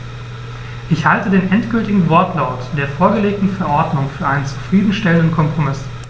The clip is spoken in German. Ich halte den endgültigen Wortlaut der vorgelegten Verordnung für einen zufrieden stellenden Kompromiss.